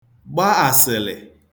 gba àsị̀lị̀